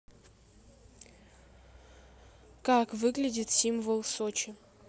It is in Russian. как выглядит символ сочи